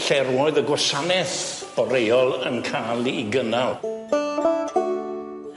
Lle roedd y gwasaneth boreol yn ca'l 'i gynnal.